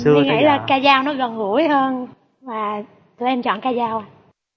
nghĩ là ca dao nó gần gũi hơn và tụi em chọn ca dao ạ